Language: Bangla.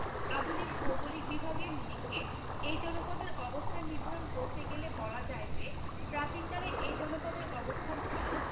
আধুনিক ভৌগোলিক বিভাগের নিরীখে এই জনপদের অবস্থান নির্ধারণ করতে গেলে বলা যায় যে প্রাচীনকালে এই জনপদের অবস্থান ছিল